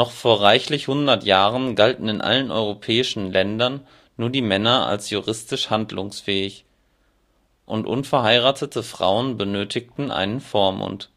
vor reichlich hundert Jahren galten in allen europäischen Ländern nur die Männer als juristisch handlungsfähig, eine unverheiratete Frau benötigte einen Vormund